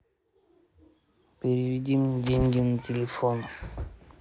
переведи мне деньги на телефон